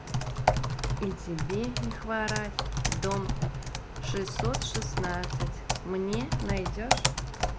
и тебе не хворать дом шестьсот шестнадцать мне найдешь